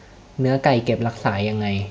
เนื้อไก่เก็บรักษายังไง